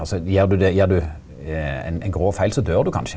altså gjer du det gjer du ein ein grov feil så døyr du kanskje.